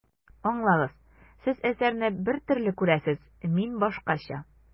Аңлагыз, Сез әсәрне бер төрле күрәсез, мин башкача.